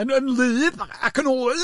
Yn w- yn wlyb, ac yn oer!